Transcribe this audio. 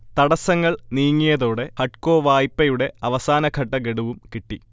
തടസ്സങ്ങൾ നീങ്ങിയതോടെ ഹഡ്കോ വായ്പയുടെ അവസാനഘട്ട ഗഡുവും കിട്ടി